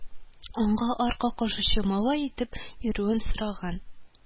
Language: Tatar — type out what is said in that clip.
Аңа арка кашучы малай итеп бирүен сораган